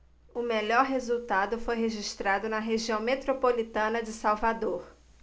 o melhor resultado foi registrado na região metropolitana de salvador